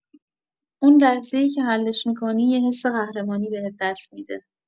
اون لحظه‌ای که حلش می‌کنی، یه حس قهرمانی بهت دست می‌ده!